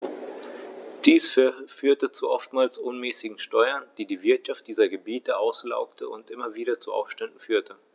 Dies führte zu oftmals unmäßigen Steuern, die die Wirtschaft dieser Gebiete auslaugte und immer wieder zu Aufständen führte.